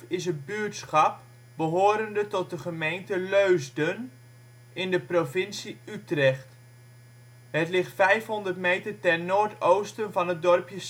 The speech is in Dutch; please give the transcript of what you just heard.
buurtschap behorende tot de gemeente Leusden, in de provincie Utrecht. Het ligt 500 meter ten noordoosten van het dorpje